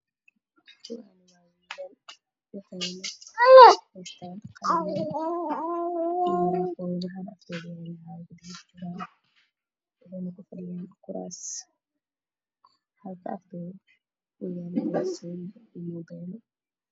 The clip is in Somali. Waxaa yaalo qaxwi waxa ku jiro kuraasman iyo boorsooyin iyo mobile